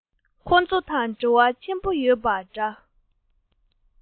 ཁོ ཚོ དང འབྲེལ བ ཆེན པོ ཡོད པ འདྲ